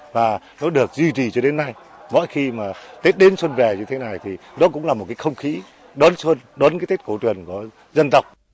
và nó được duy trì cho đến nay mỗi khi mà tết đến xuân về như thế này thì đó cũng là một cái không khí đón xuân đón tết cổ truyền của dân tộc